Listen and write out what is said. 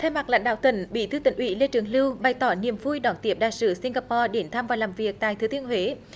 thay mặt lãnh đạo tỉnh bí thư tỉnh ủy lê trường lưu bày tỏ niềm vui đón tiếp đại sứ sing ga po đến thăm và làm việc tại thừa thiên huế